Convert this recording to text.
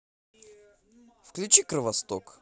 включи кровосток